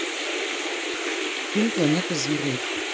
фильм планета зверей